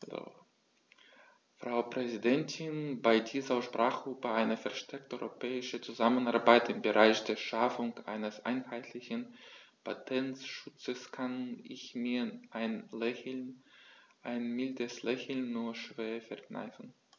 Frau Präsidentin, bei dieser Aussprache über eine verstärkte europäische Zusammenarbeit im Bereich der Schaffung eines einheitlichen Patentschutzes kann ich mir ein Lächeln - ein mildes Lächeln - nur schwer verkneifen.